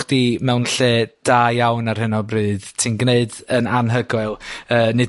chdi mewn lle da iawn ar hyn o bryd. Ti'n gneud yn anhygoel, yy nid